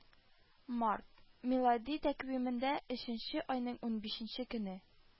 Март – милади тәкъвимендә өченче айның унбишенче көне